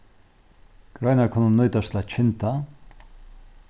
greinar kunnu nýtast til at kynda